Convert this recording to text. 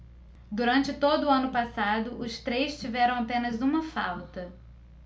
durante todo o ano passado os três tiveram apenas uma falta